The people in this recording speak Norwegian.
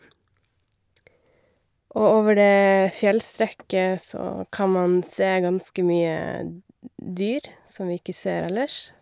Og over det fjellstrekket så kan man se ganske mye dyr som vi ikke ser ellers.